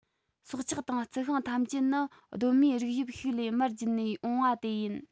སྲོག ཆགས དང རྩི ཤིང ཐམས ཅད ནི གདོད མའི རིགས དབྱིབས ཤིག ལས མར བརྒྱུད ནས འོངས པ དེ ཡིན